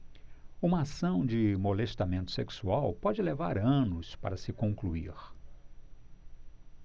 uma ação de molestamento sexual pode levar anos para se concluir